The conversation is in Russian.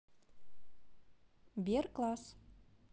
бер класс